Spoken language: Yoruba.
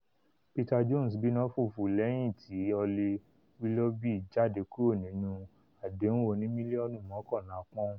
Peter Jones 'bínu fùfù' lẹ́yìn ti Holly Willoughby jáde kúrò nínú àdéhùn oní-mílíọ́nù mọ́kànlá pọ́uǹ